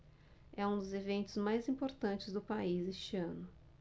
é um dos eventos mais importantes do país este ano